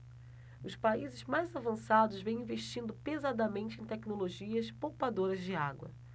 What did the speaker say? os países mais avançados vêm investindo pesadamente em tecnologias poupadoras de água